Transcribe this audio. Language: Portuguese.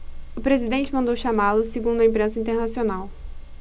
o presidente mandou chamá-lo segundo a imprensa internacional